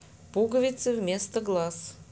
пуговицы вместо глаз